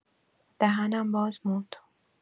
دهنم باز موند.